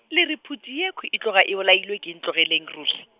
le re phuti yekhwi e tloga e bolailwe ke Ntlogeleng ruri?